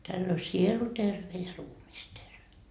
tällä on sielu terve ja ruumis terve